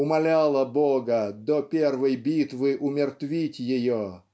умоляла Бога до первой битвы умертвить ее